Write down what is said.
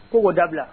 Ko k'o dabila.